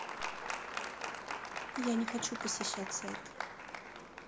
я не хочу посещать сайт